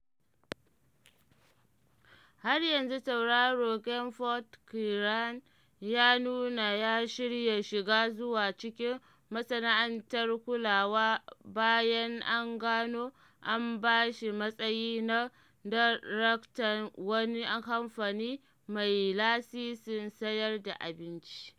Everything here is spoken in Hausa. Har yanzu tauraro Game Ford Kieran ya nuna ya shirya shiga zuwa cikin masana’antar kulawa bayan an gano an ba shi matsayi na daraktan wani kamfani mai lasisin sayar da abinci.